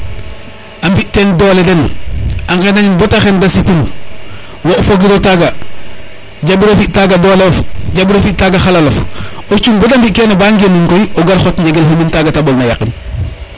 a mbi ten dole den a ngenanin bata xen de sipin wo fogiro taga jambiro fi taga dole of jambi ro fi taga xalalof o cung bade mbi kene ba ngenu koy o gar xot njegel xumin taga te mbol na yaqin